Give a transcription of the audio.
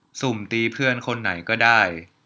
สุ่มตีเพื่อนคนไหนก็ได้